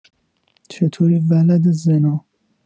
چطوری ولدزنا